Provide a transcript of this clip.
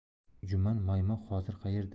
juman maymoq hozir qayerda